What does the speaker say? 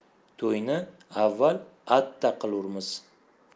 to'yni avval atta qilurmiz